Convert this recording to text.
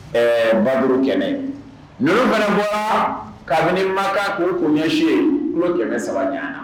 Ɛɛ bauru kɛmɛ ninnu bɛ bɔ kabiniba olu koɲɛse kɛmɛ saba ɲ